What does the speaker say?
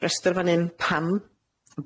rester fan hyn, pam.